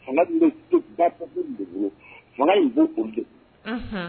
Fanga ba fanga o